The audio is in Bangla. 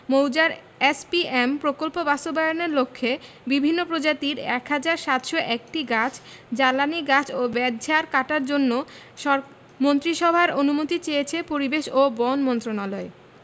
মৌজার এসপিএম প্রকল্প বাস্তবায়নের লক্ষ্যে বিভিন্ন প্রজাতির ১ হাজার ৭০১টি গাছ জ্বালানি গাছ ও বেতঝাড় কাটার জন্য মন্ত্রিসভার অনুমতি চেয়েছে পরিবেশ ও বন মন্ত্রণালয়